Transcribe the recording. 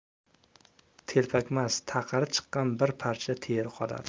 telpakmas taqiri chiqqan bir parcha teri qoladi